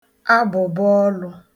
abụ̀bọọlụ̄